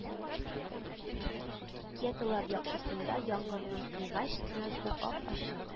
Кеталар яктысында яңгырның кыйгач стенасы ап-ачык